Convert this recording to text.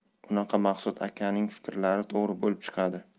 unda maqsud akaning fikrlari to'g'ri bo'lib chiqadi